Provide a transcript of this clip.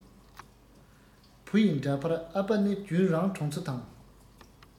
བུ ཡི འདྲ པར ཨ ཕ ནི རྒྱུན རང གྲོང ཚོ དང